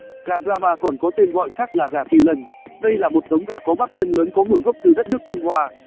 gà brahma còn có tên gọi khác là gà kỳ lân đây là một giống gà có bắp chân lớn có nguồn gốc từ đất nước trung hoa